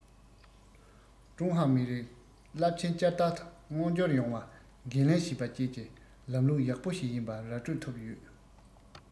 ཀྲུང ཧྭ མི རིགས རླབས ཆེན བསྐྱར དར མངོན འགྱུར ཡོང བ འགན ལེན བྱེད པ བཅས ཀྱི ལམ ལུགས ཡག པོ ཞིག ཡིན པ ར སྤྲོད ཐུབ ཡོད